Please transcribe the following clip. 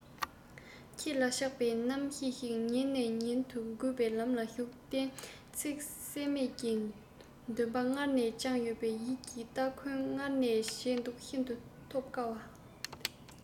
ཁྱེད ལ ཆགས པའི རྣམ ཤེས ཤིག ཉིན ནས ཉིན དུ རྒུད པའི ལམ ལ ཞུགས གཏན ཚིགས སེམས ཀྱི འདུན པ སྔར ནས བཅངས ཡོད ཡིད ཀྱི སྟ གོན སྔར ནས བྱས འདུག ཤིན ཏུ ཐོབ དཀའ བ དེ